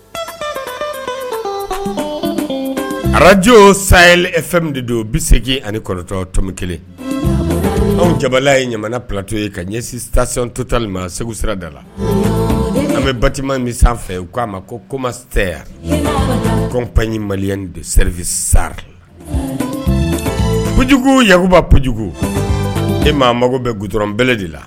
Arajo sa fɛn min de don bɛ segin ani kɔrɔtɔ to kelen anw jabala ye ɲamana ptɔ ye ka ɲɛsi totali segu sira da la an bɛ ba bɛ sanfɛ u k'a ma ko koma sayaya kɔnp mali sɛ sajugu yakubajugu e maa mago bɛ g dɔrɔnbele de la